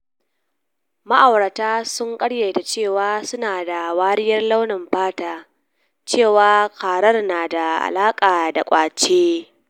Ma’auratan sun karyata cewa su na da wariyar launin fata, cewa karar na da alaka da “kwace”